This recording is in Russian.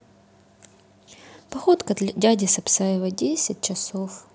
походка дяди спасаева десять часов